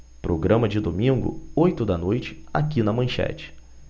programa de domingo oito da noite aqui na manchete